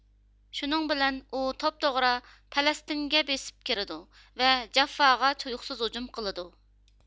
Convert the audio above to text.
شۇنىڭ بىلەن ئۇ توپتوغرا پەلەستىنگە بېسىپ كىرىدۇ ۋە جاففاغا تۇيۇقسىز ھۇجۇم قىلىدۇ